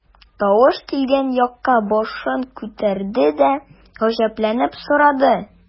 Тавыш килгән якка башын күтәрде дә, гаҗәпләнеп сорады.